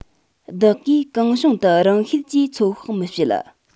བདག གིས གང བྱུང དུ རང ཤེད ཀྱིས ཚོད དཔག མི བྱེད